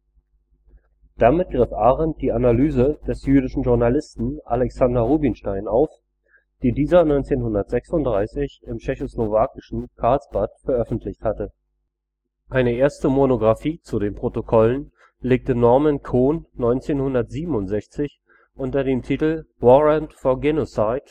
Damit griff Arendt die Analyse des jüdischen Journalisten Alexander Rubinštejn auf, die dieser 1936 im tschechoslowakischen Karlsbad veröffentlicht hatte. Eine erste Monographie zu den Protokollen legte Norman Cohn 1967 unter dem Titel Warrant for Genocide